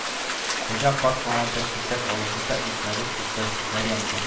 Хуҗа карт моңа бер кисәк алабута икмәге сузды, Мәрьямгә: